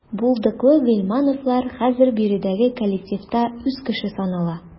Булдыклы гыйльмановлар хәзер биредәге коллективта үз кеше санала.